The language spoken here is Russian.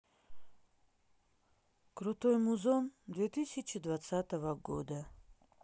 крутой музон две тысячи двадцатого года